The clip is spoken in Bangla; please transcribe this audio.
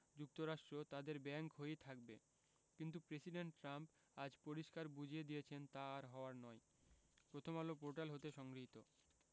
যুক্তরাষ্ট্র তাদের ব্যাংক হয়েই থাকবে কিন্তু প্রেসিডেন্ট ট্রাম্প আজ পরিষ্কার বুঝিয়ে দিয়েছেন তা আর হওয়ার নয় প্রথমআলো পোর্টাল হতে সংগৃহীত